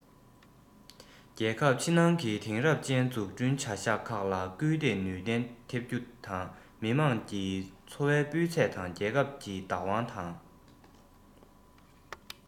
རྒྱལ ཁབ ཕྱི ནང གི དེང རབས ཅན འཛུགས སྐྲུན གྱི བྱ གཞག ཁག ལ སྐུལ འདེད ནུས ལྡན ཐེབས རྒྱུ དང མི དམངས ཀྱི འཚོ བའི སྤུས ཚད དང རྒྱལ ཁབ ཀྱི བདག དབང དང